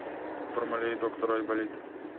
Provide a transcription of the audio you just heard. бармалей доктор айболит